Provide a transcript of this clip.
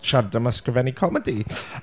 siarad am ysgrifennu comedi.